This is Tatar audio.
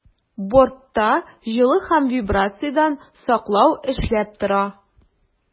Бортта җылы һәм вибрациядән саклау эшләп тора.